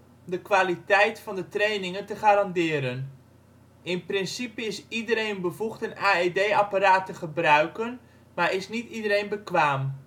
kwaliteit van de trainingen te garanderen. In principe is iedereen bevoegd een AED apparaat te gebruiken, maar is niet iedereen bekwaam